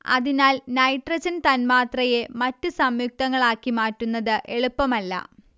അതിനാൽ നൈട്രജൻ തന്മാത്രയെ മറ്റു സംയുക്തങ്ങളാക്കി മാറ്റുന്നത് എളുപ്പമല്ല